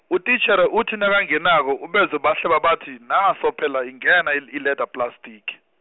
utitjhere uthi nakangenako ubezwe bahleba bathi, naso phela ingena i- i- leather plastic.